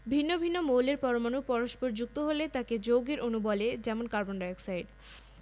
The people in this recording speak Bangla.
গ উচ্চফলনশীল উফশী জাতঃ বাংলাদেশের অনেক জমিতে উফশী ধানের চাষ করা হয়ে থাকে উফশী ধানের জাতগুলোর সাধারণ কতগুলো বৈশিষ্ট্য থাকে যেমনঃ গাছ মজবুত এবং পাতা খাড়া